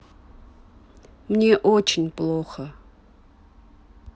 мне очень плохо